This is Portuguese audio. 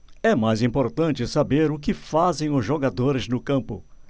é mais importante saber o que fazem os jogadores no campo